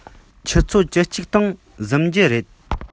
ཆུ ཚོད བཅུ གཅིག སྟེང གཟིམ གྱི རེད